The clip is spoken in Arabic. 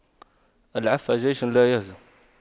العفة جيش لايهزم